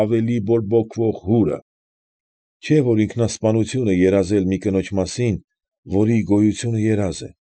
Ավելի բորբոքվող հուրը։ Չէ՞ որ ինքնասպանություն է երազել մի կնոջ մասին, որի գոյությունը երազ է։